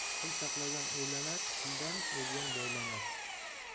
til saqlagan o'ylanar tildan ozgan boylanar